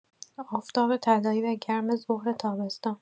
آفتاب طلایی و گرم ظهر تابستان